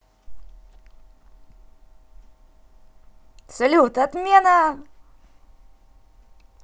салют отмена